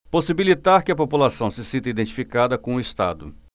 possibilitar que a população se sinta identificada com o estado